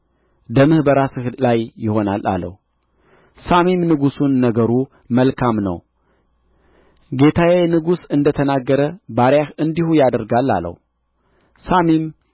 ደምህ በራስህ ላይ ይሆናል አለው ሳሚም ንጉሡን ነገሩ መልካም ነው ጌታዬ ንጉሥ እንደ ተናገረ ባሪያህ እንዲሁ ያደርጋል አለው ሳሚም